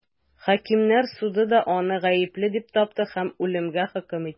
Хакимнәр суды да аны гаепле дип тапты һәм үлемгә хөкем итте.